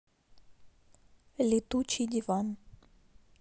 летучий диван